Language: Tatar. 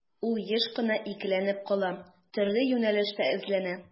Ул еш кына икеләнеп кала, төрле юнәлештә эзләнә.